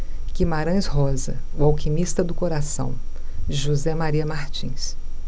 guimarães rosa o alquimista do coração de josé maria martins